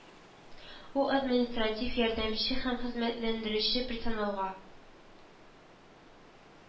У административ, ярдәмче һәм хезмәтләндерүче персоналга